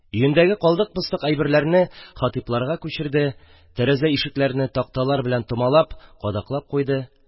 Өендәге калдык-постык әйберләрне Хатипларга күчерде, тәрәзә-ишекләрне такталар белән томалап, кадаклап куйды.